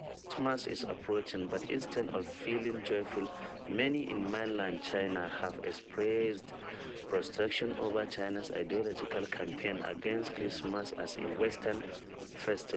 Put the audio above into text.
Christmas is approaching but instead of feeling joyful, many in mainland China have expressed frustration over China's ideological campaign against Christmas as a Western festival.